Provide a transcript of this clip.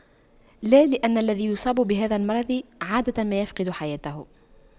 لا لأن الذي يصاب بهذا المرض عادة ما يفقد حياته